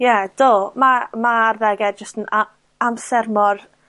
Ie, do, ma' ma' arddege jyst yn a- amser mor